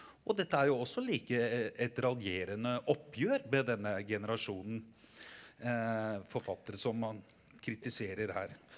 og dette er jo også like et raljerende oppgjør med denne generasjonen forfattere som han kritiserer her.